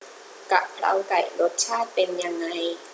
กะเพราไก่รสชาติเป็นยังไง